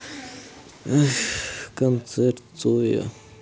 концерт цоя